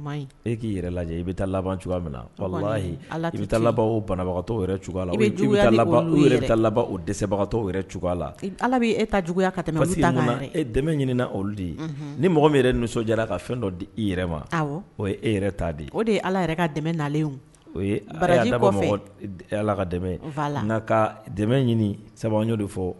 E k'i i laban bɛ laban o banabagatɔ la laban o debagatɔ cogoya la ala e ta juguya tɛmɛ dɛ na olu de ye ni mɔgɔ min nisɔn jɛra ka fɛn dɔ di i yɛrɛ ma o ye e yɛrɛ taa di o de ye ala yɛrɛ ka dɛmɛ nalen o laban ala ka la n ka ka dɛmɛ ɲini sabuo de fɔ